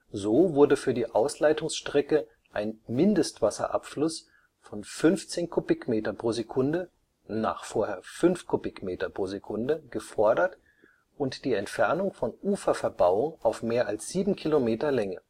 So wurde für die Ausleitungsstrecke ein Mindestwasserabfluss von 15 m³/s – nach vorher 5 m³/s – gefordert und die Entfernung von Uferverbauung auf mehr als 7 km Länge